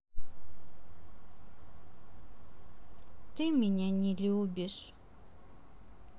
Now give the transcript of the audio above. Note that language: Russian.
ты меня не любишь